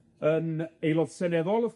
###yn aelod seneddol,